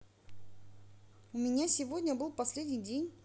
у меня сегодня был последний день